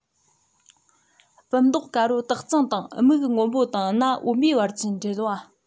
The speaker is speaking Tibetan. སྤུ མདོག དཀར པོ དག གཙང དང མིག སྔོན པོ དང རྣ འོན པའི བར གྱི འབྲེལ བ